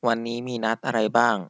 วันนี้มีนัดอะไรบ้าง